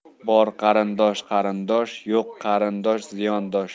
bor qarindosh qarindosh yo'q qarindosh ziyondosh